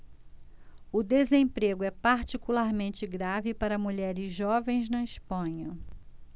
o desemprego é particularmente grave para mulheres jovens na espanha